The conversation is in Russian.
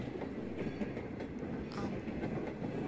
ам